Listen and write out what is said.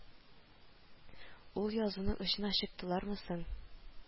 Ул язуның очына чыктылармы соң